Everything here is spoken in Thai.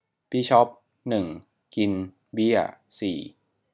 บิชอปหนึ่งกินเบี้ยสี่